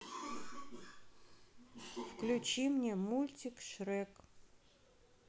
включи мне мультик шрек